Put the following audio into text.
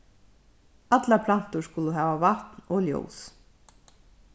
allar plantur skulu hava vatn og ljós